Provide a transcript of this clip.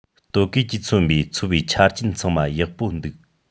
ལྟོ གོས ཀྱིས མཚོན པའི འཚོ བའི ཆ རྐྱེན ཚང མ ཡག པོ འདུག